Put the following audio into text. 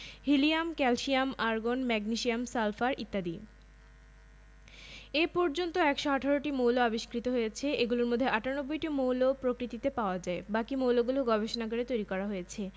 ১৭ কৃষি বিজ্ঞান ফসল চাষ পদ্ধতি আমরা অষ্টম শ্রেণিতে চাষ উপযোগী ফসলের মধ্যে কেবল গম ফসল চাষ পদ্ধতি সম্পর্কে জেনেছি